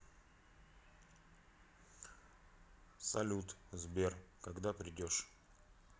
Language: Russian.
салют сбер когда придешь